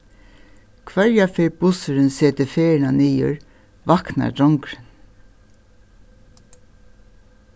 hvørja ferð bussurin setir ferðina niður vaknar drongurin